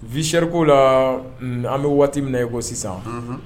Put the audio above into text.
Visriku la an bɛ waati min ye ko sisan